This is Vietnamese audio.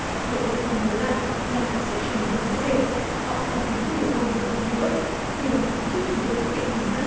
đội lao công báo lại là có sự chuyển biến rõ rệt họ không phải mất nhiều công dọn dẹp nữa điều đó cũng giúp chúng tôi tiết kiệm ngân sách